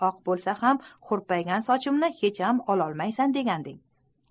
oq bo'lsa ham hurpaygan sochimni hecham ololmaysan degansan